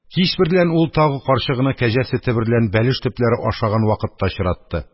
Кич берлән ул тагы карчыгыны кәҗә сөте берлән бәлеш төпләре ашаган вакытта очратты.